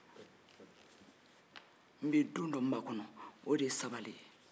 n be don dɔ makɔnɔ o de ye sabali ye